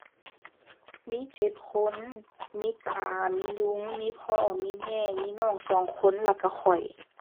มีเจ็ดคน มีตา มีลุง มีพ่อ มีแม่ มีน้องสองคน แล้วก็ข้อย